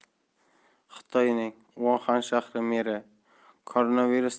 xitoyning uxan shahri meri koronavirus